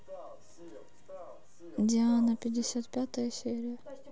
диана пятьдесят пятая серия